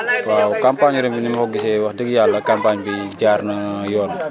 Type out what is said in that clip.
waaw campagne ñu ren bi ni ma ko gisee wax dëgg yàlla campagne bii jaar na yoon